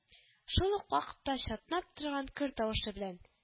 Шул ук вакытта чатнап торган көр тавышы белән: